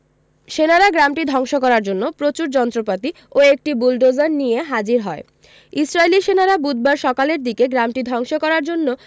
সেনারা গ্রামটি ধ্বংস করার জন্য প্রচুর যন্ত্রপাতি ও একটি বুলোডোজার নিয়ে হাজির হয় ইসরাইলী সেনারা বুধবার সকালের দিকে গ্রামটি ধ্বংস করার জন্য